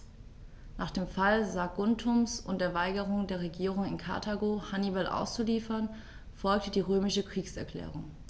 Nach dem Fall Saguntums und der Weigerung der Regierung in Karthago, Hannibal auszuliefern, folgte die römische Kriegserklärung.